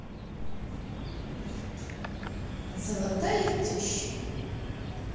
золотая теща